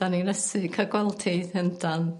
'Dan ni'n ysu ca'l gweld hi yndan.